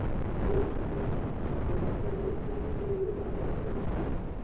desde então seu quadro clínico tem deteriorado a cada dia